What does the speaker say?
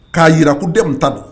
K'a jirakuɛmu ta don